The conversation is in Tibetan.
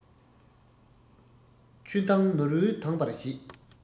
ཆུ མདངས ནོར བུས དྭངས པར བྱེད